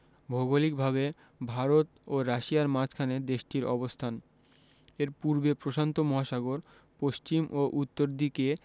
ভৌগলিকভাবে ভারত ও রাশিয়ার মাঝখানে দেশটির অবস্থান এর পূর্বে প্রশান্ত মহাসাগর পশ্চিম ও উত্তর দিকে